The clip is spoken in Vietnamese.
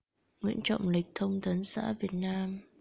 nguyễn trọng lịch thông tấn xã việt nam